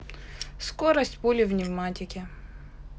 скорость пули в пневматике